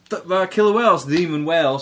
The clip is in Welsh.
Mae killer whales ddim yn whales.